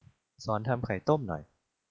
สอนทำไข่ต้มหน่อย